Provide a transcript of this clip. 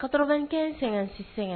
Kattokɛ sɛgɛn si sɛgɛn